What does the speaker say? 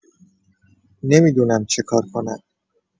نمی‌دونم چکار کنم!